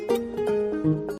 San